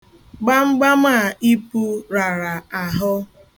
Gbamgbam a ipu rara ahụ.